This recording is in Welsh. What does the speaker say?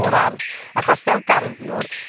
O'r ardd, achos fel garddiwr